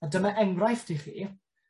A dyma enghraifft i chi